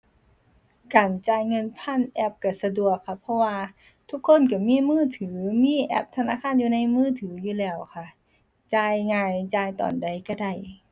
การจ่ายเงินผ่านแอปก็สะดวกค่ะ เพราะว่าทุกคนก็มีมือถือ มีแอปธนาคารอยู่ในมือถืออยู่แล้วค่ะ จ่ายง่าย จ่ายตอนใดก็ได้